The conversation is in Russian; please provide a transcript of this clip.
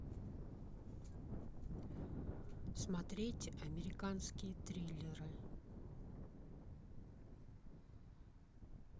смотреть американские триллеры